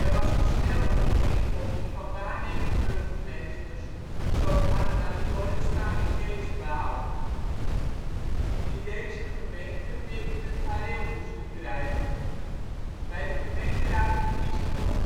was een snelle opeenvolging van waarnemend burgemeesters, zoals Annemarie Jorritsma en Cees Waal, die deze gemeente ' weer in het gareel ' moesten krijgen. Bij de gemeenteraadsverkiezingen van